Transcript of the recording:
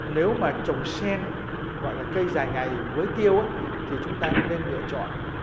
nếu mà trồng sen gọi là cây dài ngày với tiêu thì chúng ta nên lựa chọn